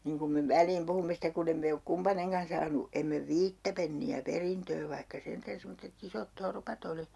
niin kun me väliin puhumme sitten kun emme me ole kumpainenkaan saanut emme viittä penniä perintöä vaikka sentään semmoiset isot torpat oli